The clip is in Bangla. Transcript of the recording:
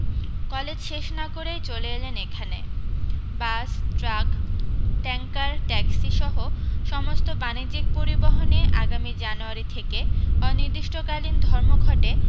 কলেজ শেষ না করেই চলে এলেন এখানে বাস ট্রাক ট্যাঙ্কার ট্যাক্সি সহ সমস্ত বানিজ্যিক পরিবহনে আগামী জানুয়ারি থেকে অনির্দিষ্টকালীন ধর্মঘটে